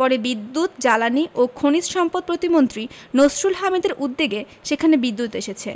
পরে বিদ্যুৎ জ্বালানি ও খনিজ সম্পদ প্রতিমন্ত্রী নসরুল হামিদের উদ্যোগে সেখানে বিদ্যুৎ এসেছে